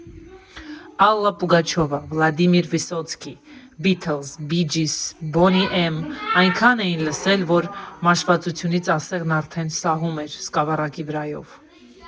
Ալլա Պուգաչովա, Վլադիմիր Վիսոցկի, Բիթլզ, Բիջիս, Բոնի Էմ այնքան էին լսել, որ մաշվածությունից ասեղն արդեն սահում էր սկավառակի վրայով։